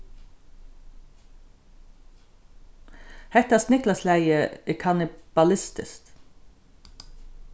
hetta sniglaslagið er kannibalistiskt